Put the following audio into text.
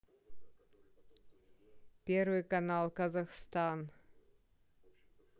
первый канал казахстан